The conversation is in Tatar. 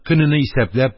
Көнене исәпләп,